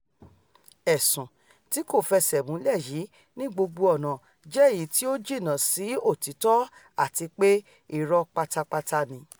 Ẹ̀sùn ti kòfẹsẹ̀múlẹ̀ yìí ní gbogbo ọ̀nà jẹ èyití ó jìnnà sí òtítọ àtipé irọ́ pátápátá ni.''